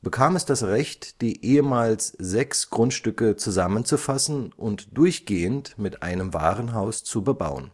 bekam es das Recht, die ehemals sechs Grundstücke zusammenzufassen und durchgehend mit einem Warenhaus zu bebauen